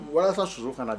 Walasasa so kana na